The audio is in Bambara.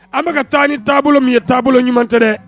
An bɛ ka taa ni taabolo min ye, taabolo ɲuman tɛ dɛ!